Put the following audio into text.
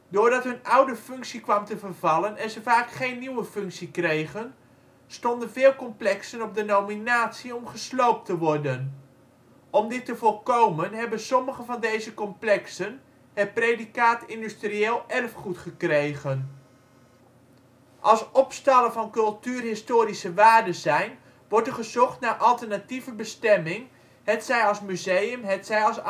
Doordat hun oude functie kwam te vervallen en ze vaak geen nieuwe functie kregen, stonden vele complexen op de nominatie om gesloopt te worden. Om dit te voorkomen hebben sommige van deze complexen het predicaat industrieel erfgoed gekregen. Als opstallen van cultuurhistorische waarde zijn, wordt er gezocht naar alternatieve bestemming, hetzij als museum hetzij als